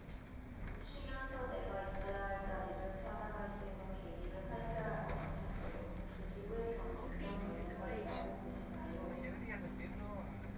쉬면서 내가 있어야 할 자리를 찾아갈 수 있는 계기를 살펴야 할 것 같았어요 조직의 경직성 문제가 있다고 보시나요